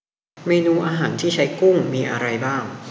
เมนูอาหารที่ใช้กุ้งมีอะไรบ้าง